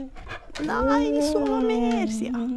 Nei, sove mer, sier hun.